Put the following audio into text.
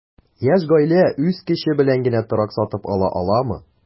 Яшь гаилә үз көче белән генә торак сатып ала аламы?